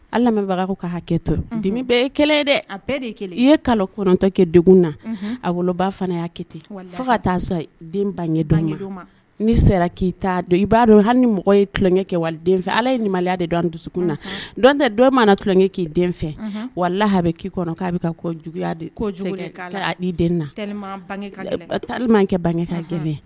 Alabagaw' hakɛ kɛ tomi bɛɛ ye kelen ye dɛ a i ye kalo kɔnɔntɔn kɛ de na a wolo' fana y'a kɛ ten fo ka taa sɔrɔ den bange an ye ni sera'i dɔn i b'a dɔn hali ni mɔgɔ ye tulonkɛ kɛ wali denfɛ ala yemimaya de don an dusukun na dɔn tɛ dɔ mana tulonkɛ k'i den fɛ walaha bɛ k'i kɔnɔ k'a bɛ ka juguyaya den kɛ bange ka gɛlɛn